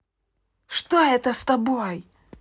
что это с тобой